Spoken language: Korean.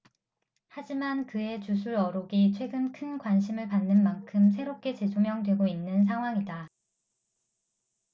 하지만 그의 주술 어록이 최근 큰 관심을 받는 만큼 새롭게 재조명되고 있는 상황이다